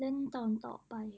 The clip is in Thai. เล่นตอนต่อไป